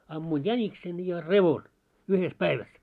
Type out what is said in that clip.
ammuin jäniksen ja revon yhdessä päivässä